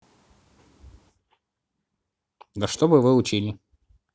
да чтобы вы учили